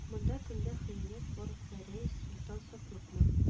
Монда кемдә хыянәт бар гәрәй солтан сатлыкмы